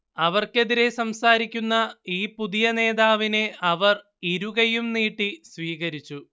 അവർക്കെതിരേ സംസാരിക്കുന്ന ഈ പുതിയ നേതാവിനെ അവർ ഇരുകൈയ്യും നീട്ടി സ്വീകരിച്ചു